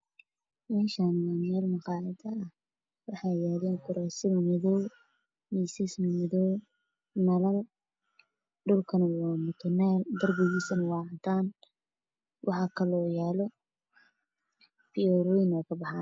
Meshaani waa meel maqayad ah waxaa yalo kurasman madoow miisas mad madoow nalal shulkana waa mutuneel darbigana waa cadan waxaa kaloo yala fiyorooyin ayaa ka baxaaya